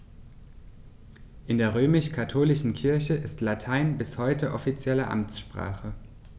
In der römisch-katholischen Kirche ist Latein bis heute offizielle Amtssprache.